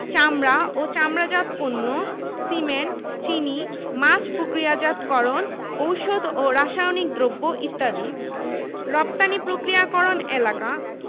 EPZ বর্তমানে ঢাকা ও চট্টগ্রামে একটি করে মোট ২টি ইপিজেড রয়েছে গাজীপুর মংলা ঈশ্বরদী কুমিল্লা সৈয়দপুর ও সিরাজগঞ্জে